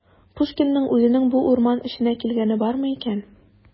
Пушкинның үзенең бу урман эченә килгәне бармы икән?